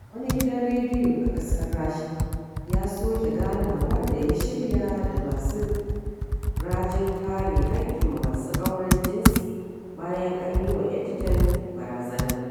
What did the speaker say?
Wani gidan rediyo a ƙasar Rasha ya soke ganawar da ya shirya da masu rajin kare haƙƙin masu auren jinsi bayan an yi wa editan barazana